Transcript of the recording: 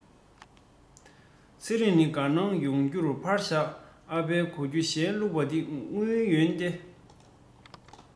ཚེ རིང ནི དགའ སྣང ཡོང རྒྱུ ཕར བཞག ཨ ཕའི གོ རྒྱུ གཞན བླུག པ ནི དངུལ འོན ཏེ